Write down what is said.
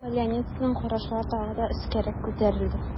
Поляницаның кашлары тагы да өскәрәк күтәрелде.